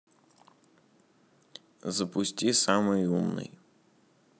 запусти самый умный